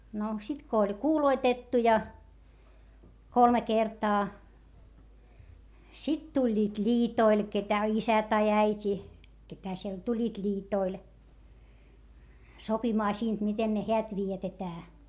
no sitten kun oli kuuloitettu ja kolme kertaa sitten tulivat liitoille ketä isä tai äiti ketä siellä tulivat liitoille sopimaan siitä miten ne häät vietetään